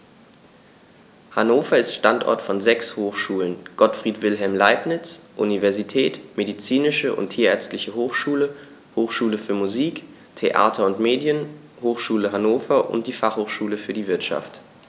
Hannover ist Standort von sechs Hochschulen: Gottfried Wilhelm Leibniz Universität, Medizinische und Tierärztliche Hochschule, Hochschule für Musik, Theater und Medien, Hochschule Hannover und die Fachhochschule für die Wirtschaft.